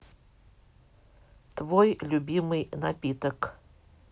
твой любимый напиток